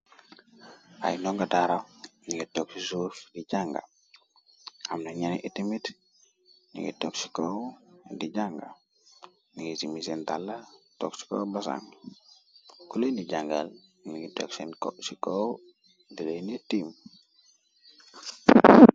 Ay ndonga daraw ningi togsi suurf di janga amna ñan itimit ningi toxsikow di jànga ningi zimi seen dàlla toxsiko bazang kuley ni jangal ningi togseen sikoow digay nit tiim